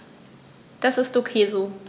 Das ist ok so.